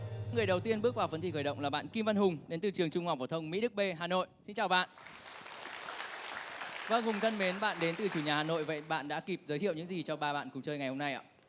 người đầu tiên bước vào phần thi khởi động là bạn kim văn hùng đến từ trường trung học phổ thông mỹ đức bê hà nội xin chào bạn vâng hùng thân mến bạn đến từ chủ nhà hà nội vậy bạn đã kịp giới thiệu những gì cho ba bạn cùng chơi ngày hôm nay